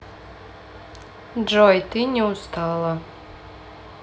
джой ты не устала